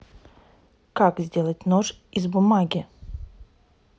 как делать нож из бумаги